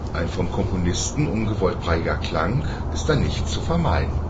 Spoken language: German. Ein vom Komponisten ungewollt breiiger Klang ist dann nicht zu vermeiden